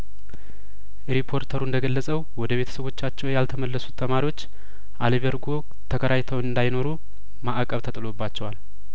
ሪፖርተሩ እንደገለጸው ወደ ቤተሰቦቻቸው ያልተመለሱት ተማሪዎች አልቤርጐ ተከራይተው እንዳይኖሩ ማእቀብ ተጥሎባቸዋል